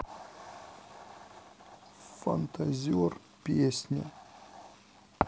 фантазер песня